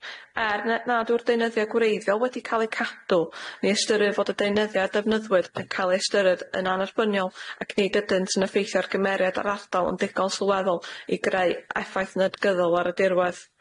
Er nad yw'r deunyddia' gwreiddiol wedi ca'l eu cadw, ni ystyriw fod y deunyddia' defnyddwyr yn ca'l eu ystyried yn anerbyniol ac nid ydynt yn effeithio ar gymeriad yr ardal yn digon sylweddol i greu effaith negyddol ar y dirwedd.